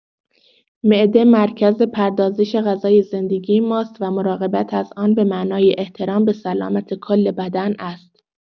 معده مرکز پردازش غذای زندگی ماست و مراقبت از آن به معنای احترام به سلامت کل بدن است.